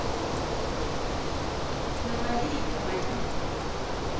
навали и hammali